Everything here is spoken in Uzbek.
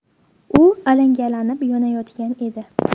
u alangalanib yonayotgan edi